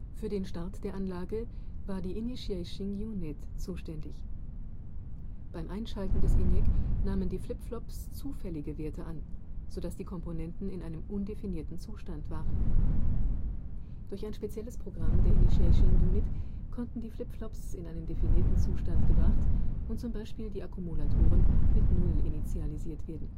Für den Start der Anlage war die Initiating Unit zuständig. Beim Einschalten des ENIAC nahmen die Flipflops zufällige Werte an, sodass die Komponenten in einem undefinierten Zustand waren. Durch ein spezielles Programm der Initiating-Unit konnten die Flipflops in einen definierten Zustand gebracht, und z. B. die Akkumulatoren mit 0 initialisiert werden